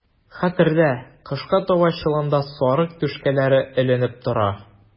Хәтердә, кышка таба чоланда сарык түшкәләре эленеп тора.